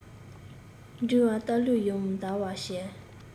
འགྲིལ བ ལྟར ལུས ཡོངས འདར བར བྱས